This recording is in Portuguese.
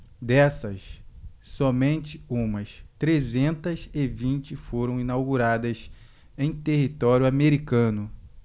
dessas somente umas trezentas e vinte foram inauguradas em território americano